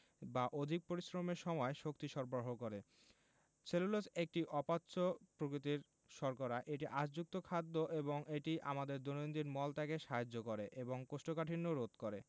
বা অধিক পরিশ্রমের সময় শক্তি সরবরাহ করে সেলুলোজ একটি অপাচ্য প্রকৃতির শর্করা এটি আঁশযুক্ত খাদ্য এবং এটি আমাদের দৈনন্দিন মল ত্যাগে সাহায্য করে এবং কোষ্ঠকাঠিন্য রোধ করে